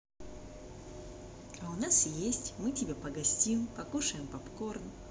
а у нас есть мы тебя погостим покушаем попкорном